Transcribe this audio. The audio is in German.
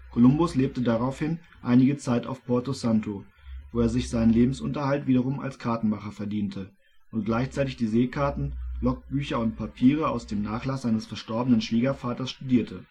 Kolumbus lebte daraufhin einige Zeit auf Porto Santo, wo er sich seinen Lebensunterhalt wiederum als Kartenmacher verdiente und gleichzeitig die Seekarten, Logbücher und Papiere aus dem Nachlass seines verstorbenen Schwiegervaters studierte